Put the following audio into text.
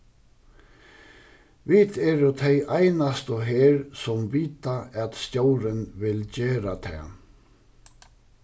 vit eru tey einastu her sum vita at stjórin vil gera tað